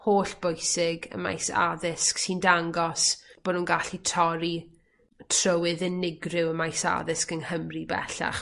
hollbwysig ym maes addysg sy'n dangos bo' nw'n gallu torri trywydd unigryw ym maes addysg yng Nghymru bellach.